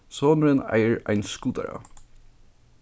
sonurin eigur ein skutara